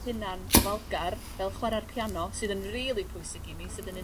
hunan ofalgar fel chwara'r piano sydd yn rili pwysig i mi sydd yn un...